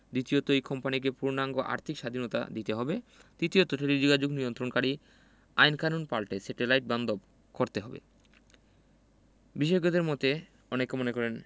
দ্বিতীয়ত এই কোম্পানিকে পূর্ণাঙ্গ আর্থিক স্বাধীনতা দিতে হবে তৃতীয়ত টেলিযোগাযোগ নিয়ন্ত্রণকারী আইনকানুন পাল্টে স্যাটেলাইট বান্ধব করতে হবে বিশেষজ্ঞদের মতে অনেকে মনে করেন